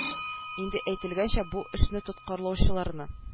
Инде әйтелгәнчә бу эшне тоткарлаучыларны